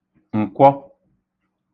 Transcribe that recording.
Ǹkwọ